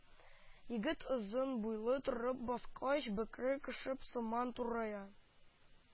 Егет озын буйлы, торып баскач, бөкре кеше сыман турая